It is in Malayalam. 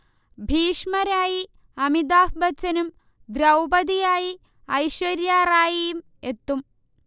ഭീഷ്മരായി അമിതാഭ് ബച്ചനും ദ്രൗപതിയായി ഐശ്വര്യ റായിയും എത്തും